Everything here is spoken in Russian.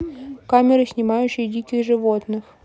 камеры снимающие диких животных